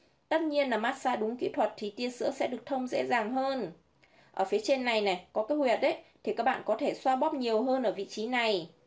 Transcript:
tất nhiên là matxa đúng kỹ thuật thì tia sữa sẽ được thông dễ dàng hơn ở phía trên này này có cái huyệt ấy thì các bạn có thể xoa bóp nhiều hơn ở vị trí này